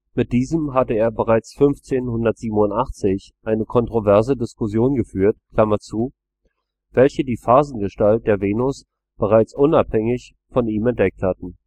mit diesem hatte er bereits 1587 eine kontroverse Diskussion geführt), welche die Phasengestalt der Venus bereits unabhängig von ihm entdeckt hatten